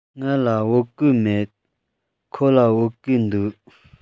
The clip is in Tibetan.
ང ལ བོད གོས མེད ཁོ ལ བོད གོས འདུག